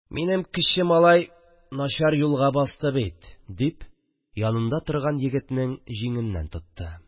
– минем кече малай начар юлга басты бит, – дип янында торган егетнең җиңеннән тотты